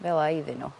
fel 'a iddyn n'w.